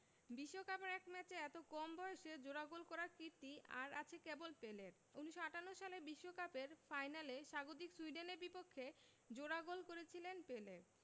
বিশ্বকাপের এক ম্যাচে এত কম বয়সে জোড়া গোল করার কীর্তি আর আছে কেবল পেলের ১৯৫৮ বিশ্বকাপের ফাইনালে স্বাগতিক সুইডেনের বিপক্ষে জোড়া গোল করেছিলেন পেলে